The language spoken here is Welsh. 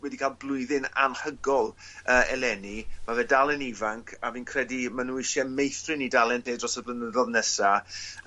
wedi ca'l blwyddyn anhygol yy eleni ma' fe dal yn ifanc a fi'n credu ma' n'w isie meithrin 'i dalent e dros y blynyddodd nesa